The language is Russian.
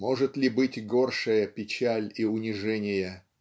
может ли быть горшая печаль и унижение?